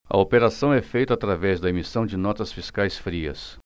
a operação é feita através da emissão de notas fiscais frias